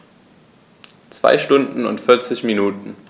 2 Stunden und 40 Minuten